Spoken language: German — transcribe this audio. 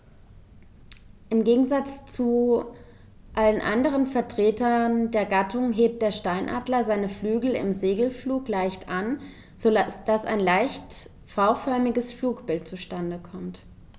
Im Gegensatz zu allen anderen Vertretern der Gattung hebt der Steinadler seine Flügel im Segelflug leicht an, so dass ein leicht V-förmiges Flugbild zustande kommt.